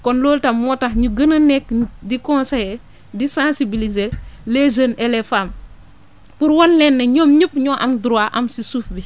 kon loolu tam moo tax ñu gën a nekk di conseiller di sensibiliser les jeunes et :fa les femmes pour wan leen ne ñoom ñëpp ñoo am droit am si suuf bi